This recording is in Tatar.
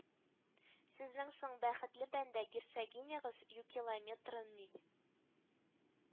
Сезнең соң, бәхетле бәндә, герцогинягыз юкилометрыни